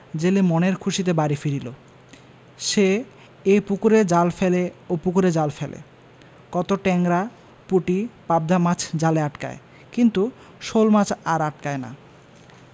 জেলে মনের খুশীতে বাড়ি ফিরিল সে এ পুকুরে জাল ফেলে ও পুকুরে জাল ফেলে কত টেংরা পুঁটি পাবদা মাছ জালে আটকায় কিন্তু শােলমাছ আর আটকায় না